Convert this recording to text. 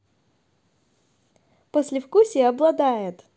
послевкусие обладает